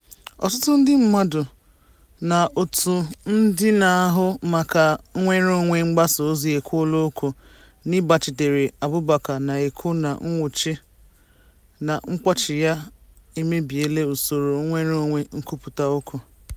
Ọtụtụ ndị mmadụ na òtù ndị na-ahụ maka nnwereonwe mgbasaozi ekwuola okwu n'ịgbachitere Abubacar, na-ekwu na nwụchi na mkpọchi ya emebiela usoro nnwereonwe nkwupụta okwu.